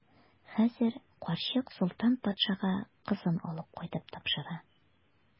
Хәзер карчык Солтан патшага кызын алып кайтып тапшыра.